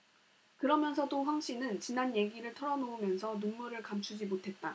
그러면서도 황씨는 지난 얘기를 털어놓으면서 눈물을 감추지 못했다